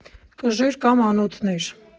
Կժեր կամ անոթներ։